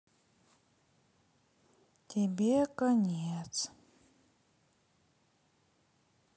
тебе конец